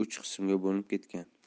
uch qismga bo'linib ketgan